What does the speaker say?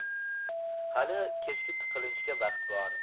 hali kechki tiqilinchga vaqt bor